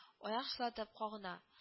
- аяк чылатып, кагына